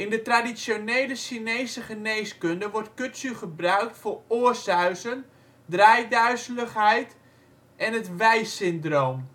de traditionele Chinese geneeskunde wordt kudzu gebruikt voor oorsuizen, draaiduizeligheid en het Wei-syndroom